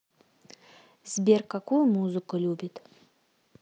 сбер какую музыку любит